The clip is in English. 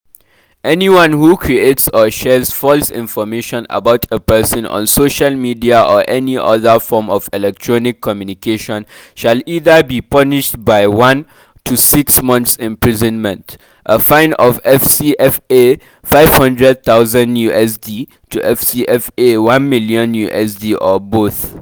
Anyone who creates or shares false information about a person on social media or any other form of electronic communication shall either be punished by one (01) to six (06) months imprisonment, a fine of FCFA 500,000 (USD 803) to FCFA 1,000,000 (USD 1,606), or both.